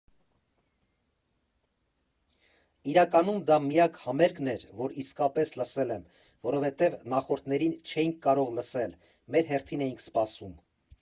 Իրականում դա միակ համերգն էր, որ իսկապես լսել եմ, որովհետև նախորդներին չէինք կարող լսել՝ մեր հերթին էինք սպասում։